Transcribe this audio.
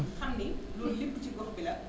xam ni loolu lépp ci gox bi la